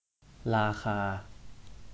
ราคา